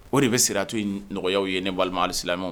O de bɛ siratu in nɔgɔya u ye ne balima alisilamɛw.